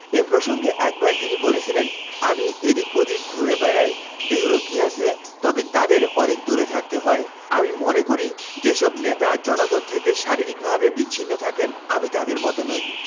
এ প্রসঙ্গে একবার তিনি বলেছিলেন আমি এদিক ওদিক ঘুরে বেড়াই দেহরক্ষী আছে তবে তাদের অনেক দূরে থাকতে হয় আমি মনে করি যেসব নেতা জনগণ থেকে শারীরিকভাবে বিচ্ছিন্ন থাকেন আমি তাদের মতো নই